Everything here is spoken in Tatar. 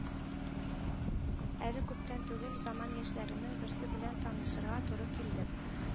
Әле күптән түгел заман яшьләренең берсе белән танышырга туры килде